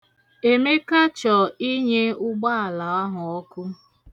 Emeka chọ inye ugbaala ahụ ọkụ.